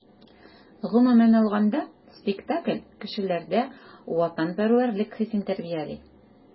Гомумән алганда, спектакль кешеләрдә ватанпәрвәрлек хисен тәрбияли.